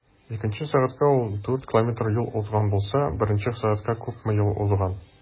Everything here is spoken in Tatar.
Икенче сәгатьтә ул 4 км юл узган булса, беренче сәгатьтә күпме юл узган?